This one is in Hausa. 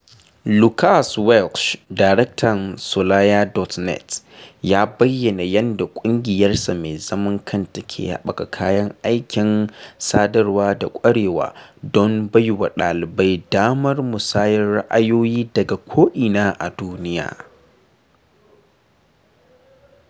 Lucas Welsh, Daraktan Soliya.net, ya bayyana yadda ƙungiyarsa mai zaman kanta ke haɓaka kayan aikin sadarwa da ƙwarewa don bai wa ɗalibai damar musayar ra'ayoyi daga ko'ina a duniya.